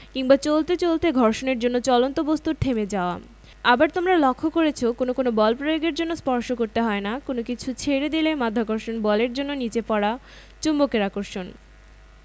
কিংবা চলতে চলতে ঘর্ষণের জন্য চলন্ত বস্তুর থেমে যাওয়া আবার তোমরা লক্ষ করেছ কোনো কোনো বল প্রয়োগের জন্য স্পর্শ করতে হয় না কোনো কিছু ছেড়ে দিলে মাধ্যাকর্ষণ বলের জন্য নিচে পড়া চুম্বকের আকর্ষণ